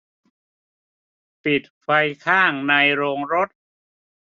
ปิดไฟข้างในโรงรถ